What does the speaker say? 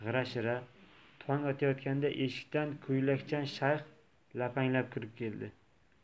g'ira shira tong otayotganda eshikdan ko'ylakchan shayx lapanglab kirib keldi